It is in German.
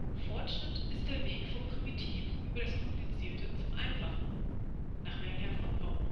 Fortschritt ist der Weg vom Primitiven über das Komplizierte zum Einfachen. “(Wernher von Braun